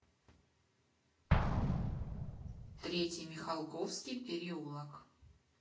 третий михалковский переулок